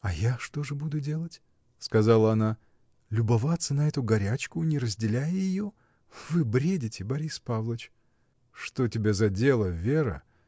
— А я что же буду делать, — сказала она, — любоваться на эту горячку, не разделяя ее? Вы бредите, Борис Павлыч! — Что тебе за дело, Вера?